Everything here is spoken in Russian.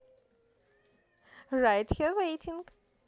right here waiting